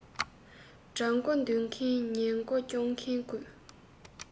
དགྲ མགོ འདུལ མཁན གཉེན མགོ སྐྱོང མཁན དགོས